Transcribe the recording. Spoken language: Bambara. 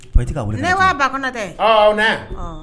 Man i ti ka wele ka di yan ne wa ba kɔnɔtɛ ? Awɔ na yan.